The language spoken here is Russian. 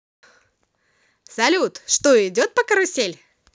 салют что идет по карусель